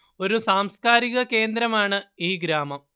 ഒരു സാംസ്കാരിക കേന്ദ്രമാണ് ഈ ഗ്രാമം